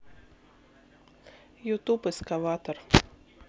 ютуб экскаватор